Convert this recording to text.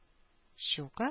Щука